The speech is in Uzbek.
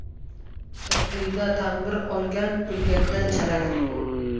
qirqida tanbur olgan o'lganda chalar